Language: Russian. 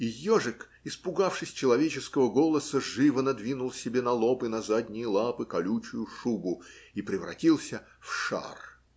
И ежик, испугавшись человеческого голоса, живо надвинул себе на лоб и на задние лапы колючую шубу и превратился в шар.